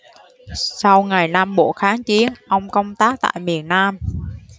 sau ngày nam bộ kháng chiến ông công tác tại miền nam